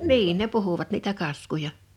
niin ne puhuivat niitä kaskuja